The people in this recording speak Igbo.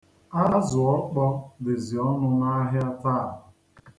Azụọkpọọ dịzị ọnụ n'ahịa taa.